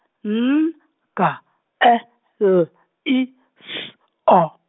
N G E L I S O.